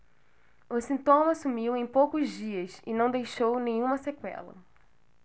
o sintoma sumiu em poucos dias e não deixou nenhuma sequela